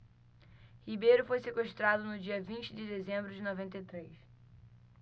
ribeiro foi sequestrado no dia vinte de dezembro de noventa e três